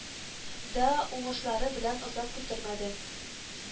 Да уңышлары белән озак көттермәде